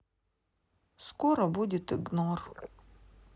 скоро будет игнор